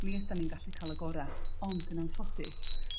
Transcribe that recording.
mi ydan ni'n gallu ca'l y gora', ond yn anffodus